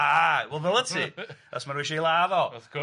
Ah, ddyla ti, chos ma' rywun isie 'i ladd o. Wrth gwrs.